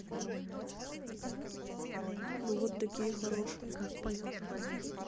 ну вот такие хорошие